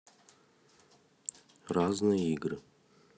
разные игры